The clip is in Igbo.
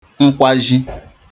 nkwazhi